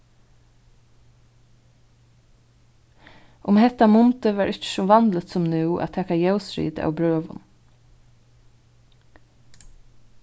um hetta mundið var ikki so vanligt sum nú at taka ljósrit av brøvum